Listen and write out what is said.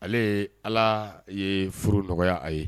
Ale ala ye furu nɔgɔya a ye